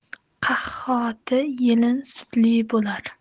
qohati yelin sutli bo'lar